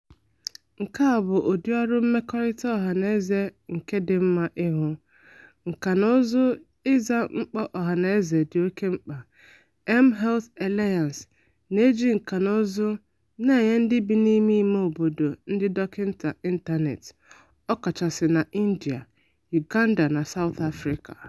"Nke a bụ ụdị ọrụ mmekọrịta ọhanaeze nke dị mma ịhụ - nkànaụzụ ịza mkpa ọhaneze dị oké mkpa…mHealth Alliance na-eji nkànaụzụ na-enye ndị bi n'ime imeobodo ndị dọkịta ịntaneetị, ọkachasị n'India, Uganda na South Africa."